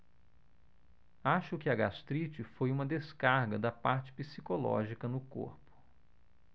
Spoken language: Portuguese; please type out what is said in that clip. acho que a gastrite foi uma descarga da parte psicológica no corpo